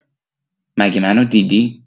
مگه منو دیدی